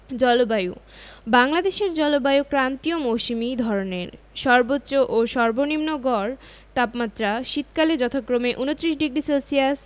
জলবায়ুঃ বাংলাদেশের জলবায়ু ক্রান্তীয় মৌসুমি ধরনের সর্বোচ্চ ও সর্বনিম্ন গড় তাপমাত্রা শীতকালে যথাক্রমে ২৯ ডিগ্রি সেলসিয়াস